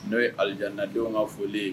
N'o ye al jana denw ka foli ye